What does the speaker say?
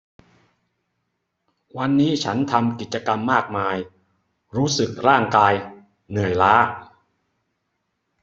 วันนี้ฉันทำกิจกรรมมากมายรู้สึกร่างกายเหนื่อยล้า